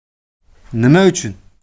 nima uchun